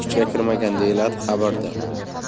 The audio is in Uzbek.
kuchga kirmagan deyiladi xabarda